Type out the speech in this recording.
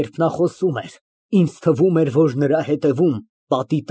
Դու չափահաս օրիորդ ես, պետք է հասկանաս, որ չունիս իրավունք սիրելու քո հարազատ ծնողի զրպարտչին։